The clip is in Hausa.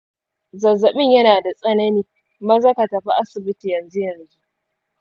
zazzaɓin yana da tsanani, maza ka tafi asibiti yanzu-yanzu.